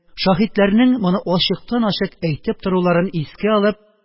Шаһитларның моны ачыктан-ачык әйтеп торуларын искә алып